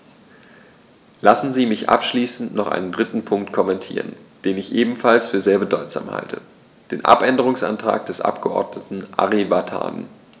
Lassen Sie mich abschließend noch einen dritten Punkt kommentieren, den ich ebenfalls für sehr bedeutsam halte: den Abänderungsantrag des Abgeordneten Ari Vatanen.